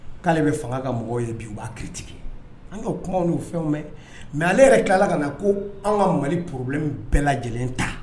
K 'ale bɛ fanga ka mɔgɔw ye bi u b'a critiqué an y'o kuma n'o fɛnw mɛn mais ale yɛrɛ tilala ka na ko anw ka Mali problème bɛɛ lajɛlen ta